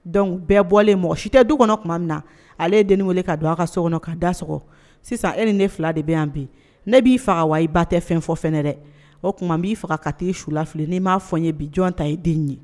Donc bɛɛ bɔlen mɔgɔ si tɛ du kɔnɔ tuma min na ale ye den weele ka don a ka so kɔnɔ ka dasɔgɔ sisan e ni ne 2 de bɛ yan bi ne b'i faga wa i ba tɛ fɛn fɔ fɛn dɛ o tuma n b'i faga ka taa i su lafili n'i i m'a fɔ ne ye bi jɔn ta ye den ye